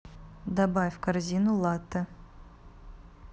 добавь в корзину латте